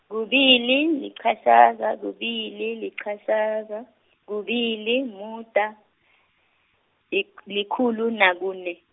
kubili, liqatjhaza, kubili, liqatjhaza, kubili, umuda, yik- likhululu, nakune.